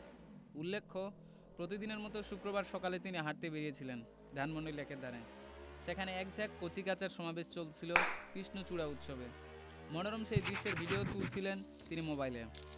উল্লেখ্য প্রতিদিনের মতো শুক্রবার সকালে তিনি হাঁটতে বেরিয়েছিলেন ধানমন্ডি লেকের ধারে সেখানে এক ঝাঁক কচিকাঁচার সমাবেশ চলছিল কৃষ্ণচূড়া উৎসবে মনোরম সেই দৃশ্যের ভিডিও তুলছিলেন তিনি মোবাইলে